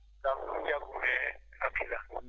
min dal ko ɗum jaggumi hakkille am